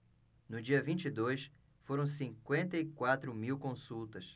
no dia vinte e dois foram cinquenta e quatro mil consultas